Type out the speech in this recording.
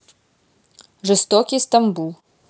жестокий стамбул